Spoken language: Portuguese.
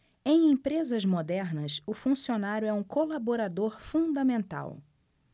em empresas modernas o funcionário é um colaborador fundamental